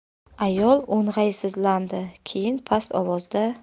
ayol o'ng'aysizlandi keyin past ovozda